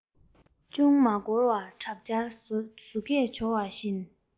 ཅང མ འགོར པར དྲག ཆར ཟོ ཁས བྱོ བ བཞིན